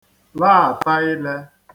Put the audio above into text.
làata ilē